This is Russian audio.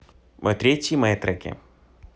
мой третий мои треки